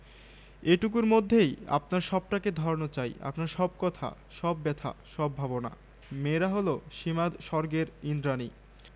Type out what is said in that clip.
এটুকুর মধ্যে আপনার সবটাকে ধরানো চাই আপনার সব কথা সব ব্যাথা সব ভাবনা মেয়েরা হল সীমাস্বর্গের ঈন্দ্রাণী